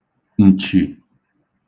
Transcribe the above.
ǹchì